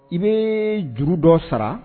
I bɛ juru dɔ sara